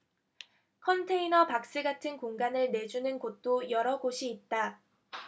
컨테이너 박스 같은 공간을 내주는 곳도 여러 곳이 있다